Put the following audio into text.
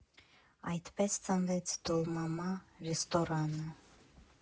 Այդպես ծնվեց «Դոլմամա» ռեստորանը։